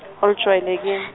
olujwayeleki-.